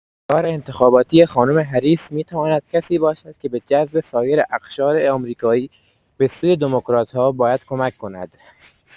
یار انتخاباتی خانم هریس می‌تواند کسی باشد که به جذب سایر اقشار آمریکایی به سوی دموکرات‌ها باید کمک کند.